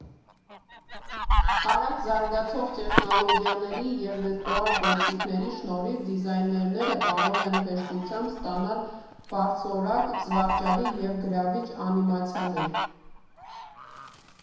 Արագ զարգացող տեխնոլոգիաների և վիրտուալ գործիքների շնորհիվ դիզայներները կարող են հեշտությամբ ստանալ բարձրորակ, զվարճալի և գրավիչ անիմացիաներ։